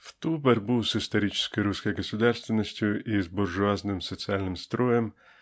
В ту борьбу с исторической русской государственностью и с "буржуазным" социальным строем